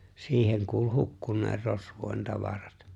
siihen kuuli hukkuneen rosvojen tavarat